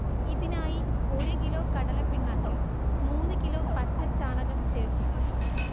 ഇതിനായി ഒരു കിലോ കടലപ്പിണ്ണാക്കിൽ മൂന്ന് കിലോ പച്ചച്ചാണകം ചേർക്കുക